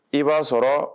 I b'a sɔrɔɔ